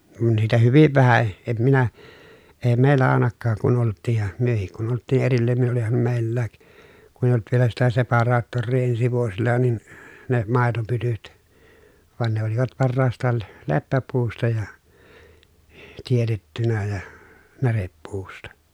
kun niitä hyvin vähän en minä - meillä ainakaan kun oltiin ja mekin kun oltiin erillään niin olihan meilläkin kun ei ollut vielä sitä separaattoria ensi vuosilla niin ne maitopytyt vaan ne olivat parhaastaan - leppäpuusta ja teetettynä ja närepuusta